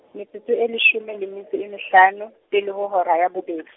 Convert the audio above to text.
metsotso e leshome le metso e mehlano, pele ho hora ya bobedi.